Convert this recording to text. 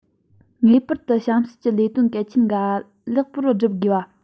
ངེས པར དུ གཤམ གསལ གྱི ལས དོན གལ ཆེན འགའ ལེགས པོར བསྒྲུབ དགོས བ